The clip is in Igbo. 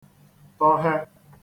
-tọhe